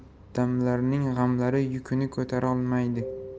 muqaddamlarning g'amlari yukini ko'tarolmaydi